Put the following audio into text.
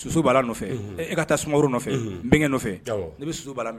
Su b'a nɔfɛ e ka taa sumaworo nɔfɛ bɛn nɔfɛ ne bɛ'